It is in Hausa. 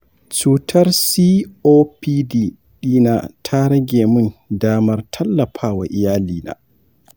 cutar copd dina ta rage min damar tallafawa iyalina.